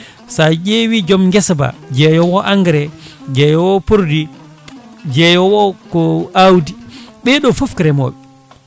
sa ƴeewi joom guesa ba jeeyowo engrais jeeyowo produit jeeyowo ko awdi ɓeeɗo foof ko remoɓe